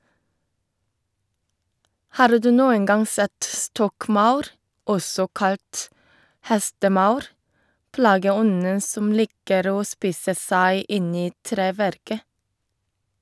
Har du noen gang sett stokkmaur, også kalt hestemaur, plageånden som liker å spise seg inn i treverket?